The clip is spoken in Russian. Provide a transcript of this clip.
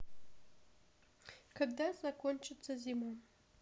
когда закончится зима